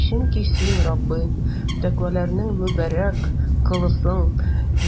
Чөнки Син, Раббы, тәкъваларны мөбарәк кыласың,